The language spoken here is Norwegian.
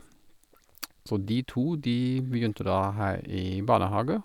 Så de to, de begynte da her i barnehage.